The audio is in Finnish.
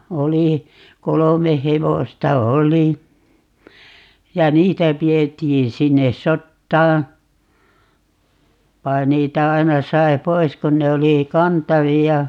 oli kolme hevosta oli ja niitä pidettiin sinne sotaan vaan niitä aina sai pois kun ne oli kantavia